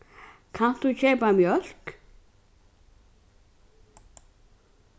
kanst tú keypa mjólk